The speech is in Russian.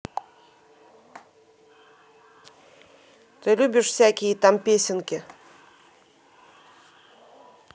ты любишь всякие там песенки